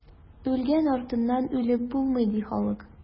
Үлгән артыннан үлеп булмый, ди халык.